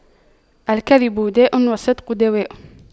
الكذب داء والصدق دواء